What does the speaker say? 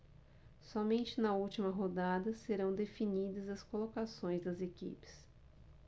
somente na última rodada serão definidas as colocações das equipes